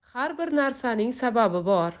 har bir narsaning sababi bor